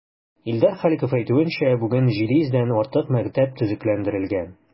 Илдар Халиков әйтүенчә, бүген 700 дән артык мәктәп төзекләндерелгән.